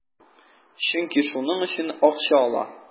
Чөнки шуның өчен акча ала.